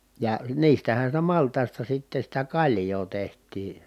ja niistähän sitä maltaista sitten sitä kaljaa tehtiin